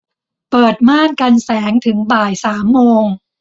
เปิดม่านกันแสงถึงบ่ายสามโมง